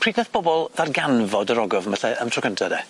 Pryd nath bobol ddarganfod yr ogof falle ym tro cynta de?